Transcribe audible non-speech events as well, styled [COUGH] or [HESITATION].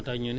[HESITATION] [HESITATION]